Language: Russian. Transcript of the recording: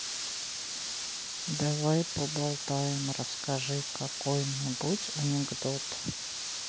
давай поболтаем расскажи какой нибудь анекдот